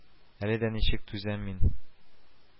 Әле дә ничек түзәм мин